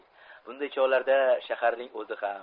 bunday chog'larda shaharning o'zi ham